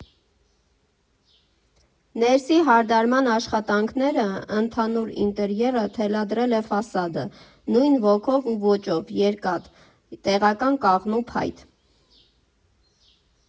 Ներսի հարդարման աշխատանքները, ընդհանուր ինտերերը թելադրել է ֆասադը՝ նույն ոգով ու ոճով՝ երկաթ, տեղական կաղնու փայտ։